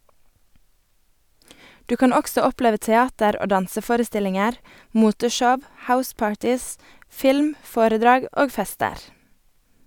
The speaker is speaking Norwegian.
Du kan også oppleve teater- og danseforestillinger, moteshow, house-parties, film, foredrag og fester!